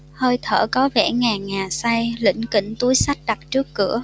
hơi thở có vẻ ngà ngà say lỉnh kỉnh túi xách đặt trước cửa